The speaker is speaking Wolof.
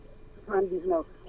79